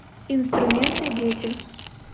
инструменты дети